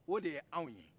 o de ye anw ye